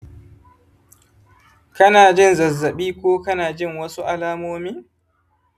kana jin zazzabi ko kana jin wasu alamomin?